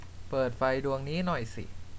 เปิดไฟดวงนี้หน่อยสิ